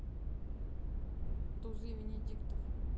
тузы венедиктов